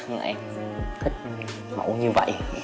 nhưng em thích mẫu như vậy